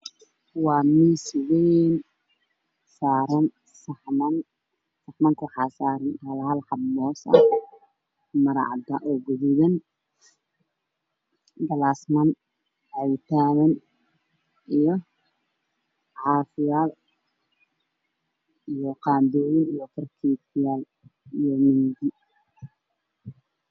Waa miis wey waxaa saaran saxamaan waxaa korsaaran moos, liin qaro